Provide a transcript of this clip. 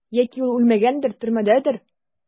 Яки ул үлмәгәндер, төрмәдәдер?